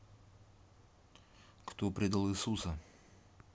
кто предал иисуса